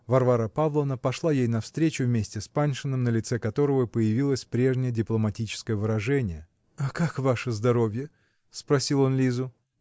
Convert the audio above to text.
Варвара Павловна пошла ей навстречу вместе с Паншиным, на лице которого появилось прежнее дипломатическое выражение. -- Как ваше здоровье? -- спросил он Лизу.